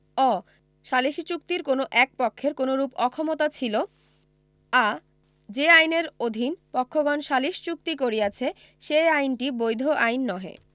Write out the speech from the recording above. অ সালিসী চুক্তির কোন এক পক্ষের কোনরূপ অক্ষমতা ছিল আ যে আইনের অধীন পক্ষগণ সালিস চুক্তি করিয়াছে সেই আইনটি বৈধ আইন নহে